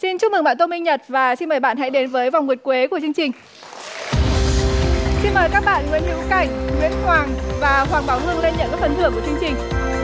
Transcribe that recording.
xin chúc mừng bạn tô minh nhật và xin mời bạn hãy đến với vòng nguyệt quế của chương trình xin mời các bạn nguyễn hữu cảnh nguyễn hoàng và hoàng bảo hương lên nhận các phần thưởng